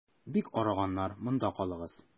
Бик арыганнар, монда калыгыз.